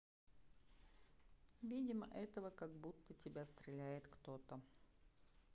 видимо этого как будто тебя стреляет кто то